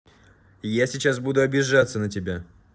а я сейчас буду обижаться на тебя